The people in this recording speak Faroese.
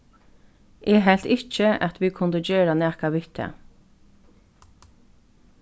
eg helt ikki at vit kundu gera nakað við tað